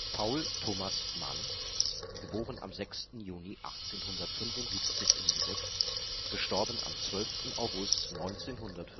Paul Thomas Mann (* 6. Juni 1875 in Lübeck; † 12. August 1955